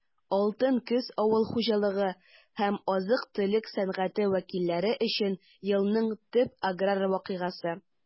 «алтын көз» - авыл хуҗалыгы һәм азык-төлек сәнәгате вәкилләре өчен елның төп аграр вакыйгасы.